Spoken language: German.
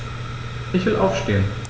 Ich will aufstehen.